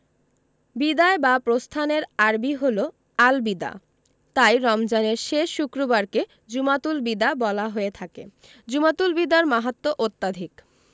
বিদায় বা প্রস্থানের আরবি হলো আল বিদা তাই রমজানের শেষ শুক্রবারকে জুমাতুল বিদা বলা হয়ে থাকে জুমাতুল বিদার মাহাত্ম্য অত্যধিক